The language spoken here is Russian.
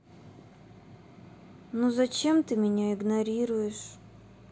ты зачем меня игнорируешь